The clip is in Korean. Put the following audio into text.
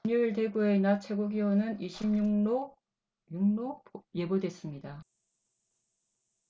금요일 대구의 낮 최고기온은 이십 육 로 예보됐습니다